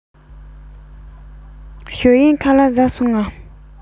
ཞའོ གཡན ཁ ལག བཟས སོང ངས